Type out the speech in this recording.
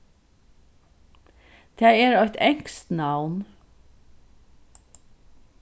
tað er eitt enskt navn